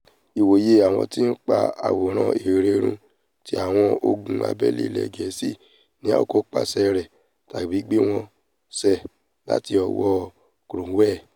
Ìwòye àwọn tí ńpa àwòrán èère run ti àwọn ogun abẹ́lé ilẹ̀ Gẹ̀ẹ́sì ni a kò pàṣẹ rẹ̀ tàbí gbé wọn ṣe láti ọwọ́ Cromwell.